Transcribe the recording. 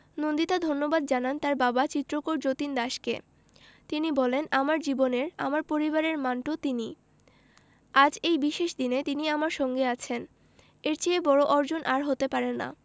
নন্দিতা ধন্যবাদ জানান তার বাবা চিত্রকর যতীন দাসকে তিনি বলেন আমার জীবনের আমার পরিবারের মান্টো তিনি আজ এই বিশেষ দিনে তিনি আমার সঙ্গে আছেন এর চেয়ে বড় অর্জন আর হতে পারে না